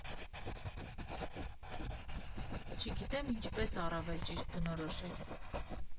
֊ Չգիտեմ՝ ինչպես առավել ճիշտ բնորոշել.